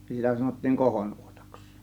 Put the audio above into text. niin sitä sanottiin kohonuotaksi